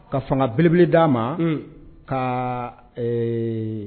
Ka fanga belebele d'a ma, un, ka ee